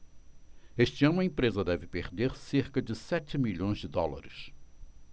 este ano a empresa deve perder cerca de sete milhões de dólares